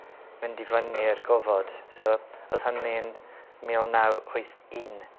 mynd i fyny i'r gofod so odd hynny'n mil naw wyth un.